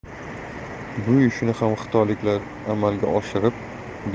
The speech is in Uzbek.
bu ishni ham xitoyliklar amalga oshirib